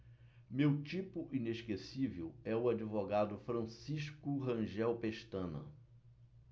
meu tipo inesquecível é o advogado francisco rangel pestana